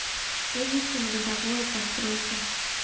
эдисон годовое постройки